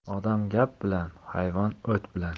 odam gap bilan hayvon o't bilan